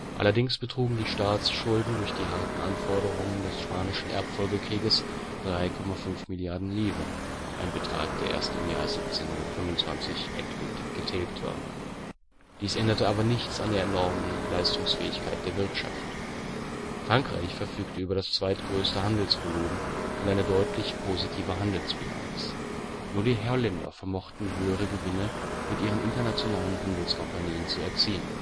Allerdings betrugen die Staatsschulden durch die harten Anforderungen des Spanischen Erbfolgekrieges 3.5 Milliarden Livres, ein Betrag der erst im Jahr 1725 endgültig getilgt war. Dies änderte aber nichts an der enormen Leistungsfähigkeit der Wirtschaft. Frankreich verfügte über das zweitgrößte Handelsvolumen und eine deutlich positive Handelsbilanz; nur die Holländer vermochten höhere Gewinne mit ihren internationalen Handelskompanien zu erzielen